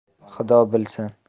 xudo bilsin